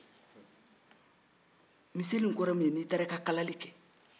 miseli kɔrɔ ye n'i taara i ka kalali kɛ